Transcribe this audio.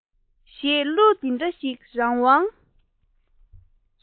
ཞེས གླུ འདི འདྲ ཞིག རང དབང